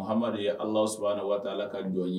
Muhamadu ye Ala Subahana Watala ka jɔn ye